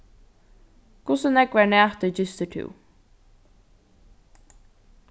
hvussu nógvar nætur gistir tú